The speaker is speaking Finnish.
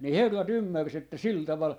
niin herrat ymmärsi että sillä tavalla